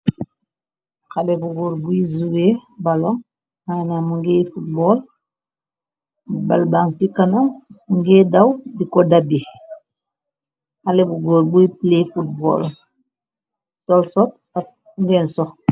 Xalé bu góor buy zouwe balo, hana mu ngir footbool, balban ci kana ngir daw di ko dab bi, xalé bu góor buy play footbal, solsot ak ngeen sox.